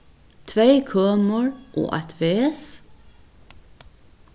tvey kømur og eitt ves